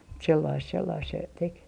mutta sellaista sellaista se teki